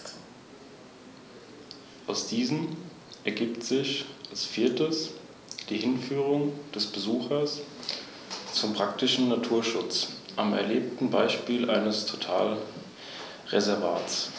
In Anbetracht ihrer Größe bewegen sich Steinadler in der Luft außerordentlich wendig und schnell, so wurde mehrfach beobachtet, wie sich ein Steinadler im Flug auf den Rücken drehte und so zum Beispiel einen verfolgenden Kolkraben erbeutete.